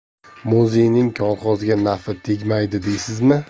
muzeyning kolxozga nafi tegmaydi deysizmi